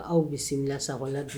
Aw bɛ bisimila sa